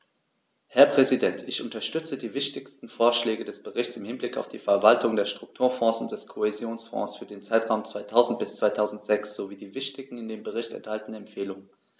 Herr Präsident, ich unterstütze die wichtigsten Vorschläge des Berichts im Hinblick auf die Verwaltung der Strukturfonds und des Kohäsionsfonds für den Zeitraum 2000-2006 sowie die wichtigsten in dem Bericht enthaltenen Empfehlungen.